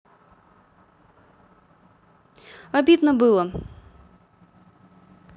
обидно было